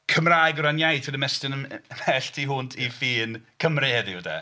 Cymraeg o ran iaith yn ymestyn ymhell tu hwnt i ffin Cymru heddiw de.